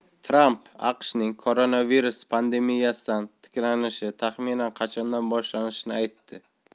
tramp aqshning koronavirus pandemiyasidan tiklanishi taxminan qachondan boshlanishini aytdi